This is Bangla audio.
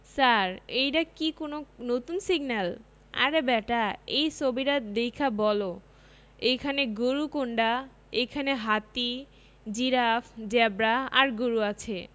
ছার এইডা কি কুনো নতুন সিগনেল আরে ব্যাটা এই ছবিডা দেইখা বলো এইখানে গরু কোনডা এইখানে হাতি জিরাফ জেব্রা আর গরু আছে